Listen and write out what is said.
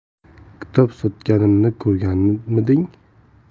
kitob sotganimni ko'rganmiding